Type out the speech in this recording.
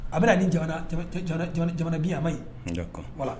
A bɛna na ni jamana jamana biyanma wala